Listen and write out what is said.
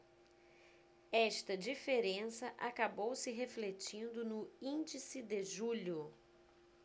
esta diferença acabou se refletindo no índice de julho